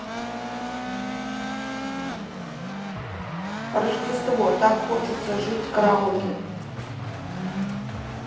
рождество так хочется жить караоке